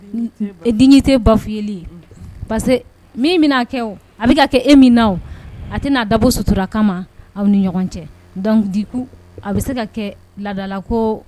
E dignité bafouer li ye unhun parce que min be n'a kɛ o a be ka kɛ e min na o a tɛn'a dabɔ sutura kama aw ni ɲɔgɔn cɛ donc du coup a be se ka kɛɛ ladala koo